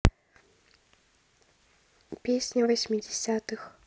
песни восьмидесятых